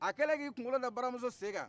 a kɛlen k'i kunkolo da baramuso sen kan